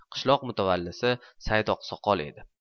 qishloq mutavvalisi saidoqsoqol edi